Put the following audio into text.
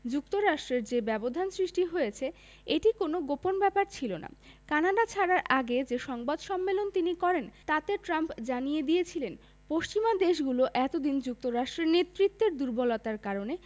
যুক্তরাষ্ট্রের যে ব্যবধান সৃষ্টি হয়েছে এটি কোনো গোপন ব্যাপার ছিল না কানাডা ছাড়ার আগে যে সংবাদ সম্মেলন তিনি করেন তাতে ট্রাম্প জানিয়ে দিয়েছিলেন পশ্চিমা দেশগুলো এত দিন যুক্তরাষ্ট্রের নেতৃত্বের দুর্বলতার কারণে